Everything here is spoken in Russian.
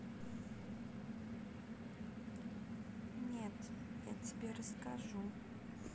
нет я тебе расскажу